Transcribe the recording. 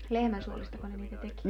lehmänsuolistako ne niitä teki